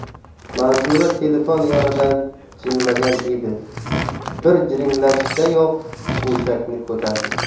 manzura telefon yonidan jilmagan edi bir jiringlashdayoq go'shakni ko'tardi